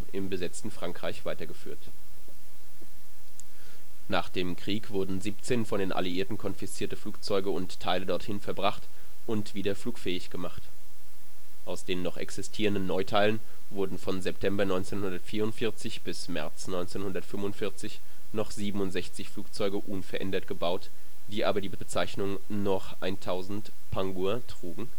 im besetzten Frankreich weitergeführt. Nach dem Krieg wurden 17 von den Alliierten konfiszierte Flugzeuge und Teile dorthin verbracht und wieder flugfähig gemacht. Aus den noch existierenden Neuteilen wurden von September 1944 bis März 1945 noch 67 Flugzeuge unverändert gebaut, die aber die Bezeichnung Nord 1000 „ Pingouin “trugen